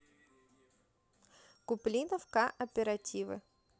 куплинов ка оперативы